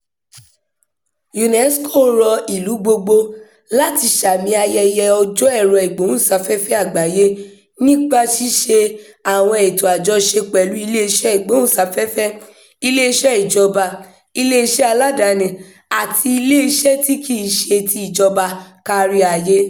UNESCO rọ ìlú gbogbo láti sààmì ayẹyẹ Ọjọ́ Ẹ̀rọ-ìgbóhùnsáfẹ́fẹ́ Àgbáyé nípasẹ̀ ṣíṣe àwọn ètò àjọṣe pẹ̀lú iléeṣẹ́ ìgbóhùnsáfẹ́fẹ́, iléeṣẹ́ ìjọba, iléeṣẹ́ aládàáni àti iléeṣẹ́ tí kì í ṣe ti ìjọba kárí ayé.